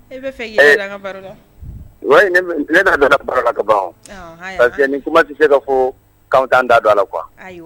E bɛ fɛ k'i da don baro la , wayi, ne da donna baro kaban, ɔ; aya,, parc que nin kuma tɛ se ka fɔ k'an t'an da don a la. quoi , ai.